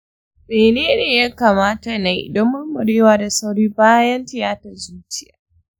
menene ya kamata na yi don murmurewa da sauri bayan tiyatar zuciya?